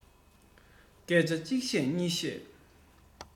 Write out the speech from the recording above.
སྐད ཆ གཅིག བཤད གཉིས བཤད